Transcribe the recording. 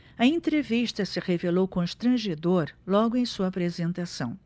a entrevista se revelou constrangedora logo em sua apresentação